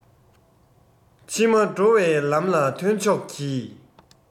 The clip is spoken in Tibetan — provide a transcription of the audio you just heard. ཕྱི མ འགྲོ བའི ལམ ལ ཐོན ཆོག གྱིས